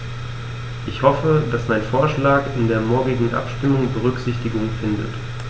Ich hoffe, dass mein Vorschlag in der morgigen Abstimmung Berücksichtigung findet.